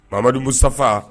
Mamu sa